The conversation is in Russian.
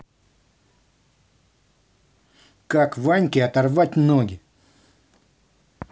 как ваньке оторвать ноги